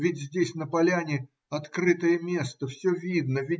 Ведь здесь, на поляне, открытое место, все видно.